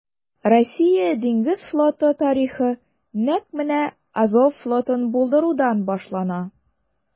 Россия диңгез флоты тарихы нәкъ менә Азов флотын булдырудан башлана.